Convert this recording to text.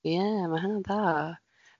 ie, ma' hynna'n dda.